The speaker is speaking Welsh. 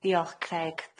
Diolch Creg.